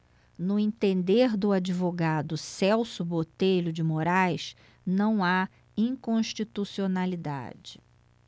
no entender do advogado celso botelho de moraes não há inconstitucionalidade